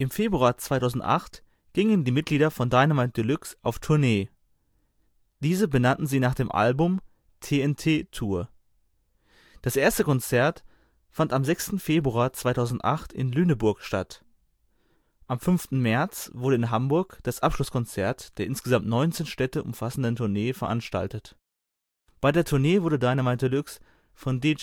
Februar 2008 gingen die Mitglieder von Dynamite Deluxe auf Tournee. Diese benannten sie nach dem Album TNT-Tour. Das erste Konzert fand am 6. Februar 2008 in Lüneburg statt. Am 5. März wurde in Hamburg das Abschlusskonzert der insgesamt 19 Städte umfassenden Tournee veranstaltet. Bei der Tournee wurde Dynamite Deluxe von DJ